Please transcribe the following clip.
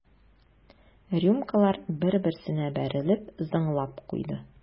Рюмкалар бер-берсенә бәрелеп зыңлап куйды.